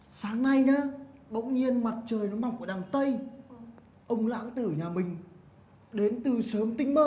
sáng nay nhá bỗng nhiên mặt trời nó mọc ở đằng tây ông lãng tử nhà mình đến từ sớm tinh mơ